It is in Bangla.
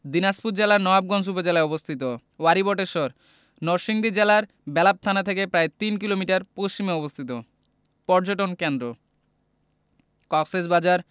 দিনাজপুর জেলার নওয়াবগঞ্জ উপজেলায় অবস্থিত ওয়ারী বটেশ্বর নরসিংদী জেলার বেলাব থানা থেকে প্রায় তিন কিলোমিটার পশ্চিমে অবস্থিত পর্যটন কেন্দ্রঃ কক্সবাজার